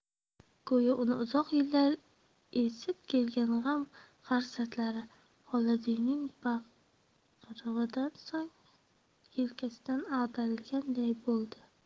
go'yo uni uzoq yillar ezib kelgan g'am xarsanglari xolidiyning baqirig'idan so'ng yelkasidan ag'darilganday bo'ldi